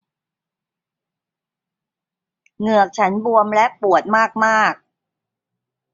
เหงือกฉันบวมและปวดมากมาก